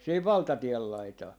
siihen valtatien laitaan